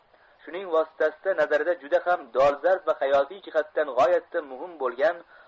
shuning vositasida nazarida juda ham dolzarb va hayotiy jihatdan g'oyatda muhim bo'lgan